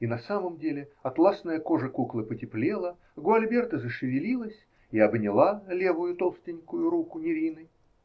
И на самом деле, атласная кожа куклы потеплела, Гуальберта зашевелилась и обняла левую толстенькую руку Нерины.